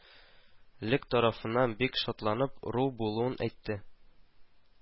Лек тарафыннан бик шатланып, ру булуын әйтте